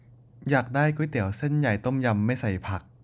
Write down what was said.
อยากได้ก๋วยเตี๋ยวเส้นใหญ่ต้มยำไม่ใส่ผัก